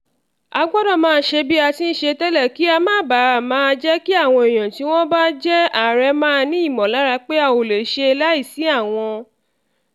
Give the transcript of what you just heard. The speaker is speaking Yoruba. A gbọdọ̀ máa ṣe bí a ti ń ṣe tẹ́lẹ̀ kí á má bá máa jẹ́ kí àwọn èèyàn tí wọ́n bá jẹ Ààrẹ máa ní ìmọ̀lára pé a ò lè ṣe láìsí àwọn.